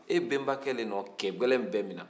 e bɛbankɛ de ye cɛ gɛlɛn bɛɛ minɛ